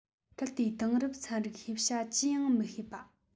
གལ ཏེ དེང རབས ཚན རྩལ ཤེས བྱ ཅི ཡང མི ཤེས པ